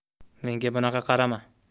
menga bunaqa qarama